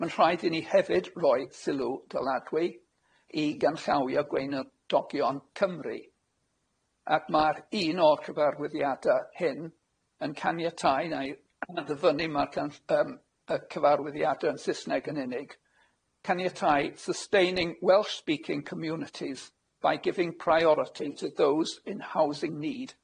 Ma'n rhaid i ni hefyd roi sylw dyladwy i Ganllawia Gweinidogion Cymru, ac ma'r un o'r cyfarwyddiada hyn yn caniatáu, 'na'i ddyfynnu 'r cyf- yym y cyfarwyddiada yn Susnag yn unig, caniatáu sustaining Welsh-speaking communities by giving priority to those in housing need,